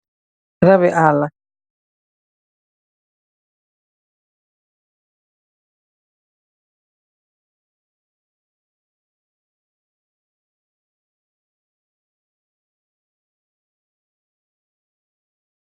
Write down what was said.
Rabbi aala